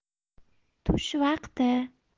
tush vaqti